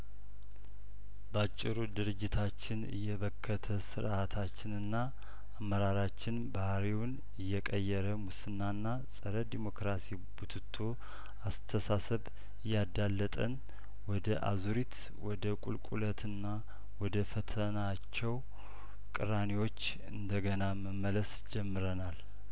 ባጭሩ ድርጅታችን እየበከተ ስርአታችንና አመራራችን ባህርይውን እየቀየረ ሙስናና ጸረ ዴሞክራሲ ቡትቶ አስተሳሰብ እያዳለጠን ወደ አዙሪት ወደ ቁልቁለትና ወደ ፈተናቸው ቅራኔዎች እንደገና መመለስ ጀምረናል